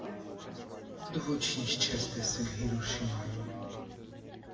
Դու ոչինչ չես տեսել Հիրոշիմայում։